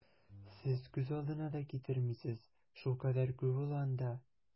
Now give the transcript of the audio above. Сез күз алдына да китермисез, шулкадәр күп ул анда!